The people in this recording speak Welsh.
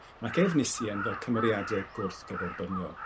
ac Efnisien fel cymeriade gwrthgyferbyniol.